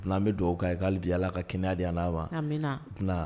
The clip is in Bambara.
N'an bɛ dugawu ka ye k'ale di ala ka kɛnɛ kɛnɛya di an wa